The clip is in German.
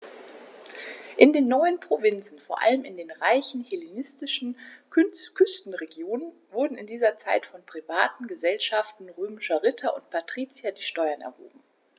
In den neuen Provinzen, vor allem in den reichen hellenistischen Küstenregionen, wurden in dieser Zeit von privaten „Gesellschaften“ römischer Ritter und Patrizier die Steuern erhoben.